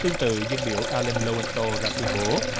tương tự dân biểu a lừn rô ran tô ra tuyên bố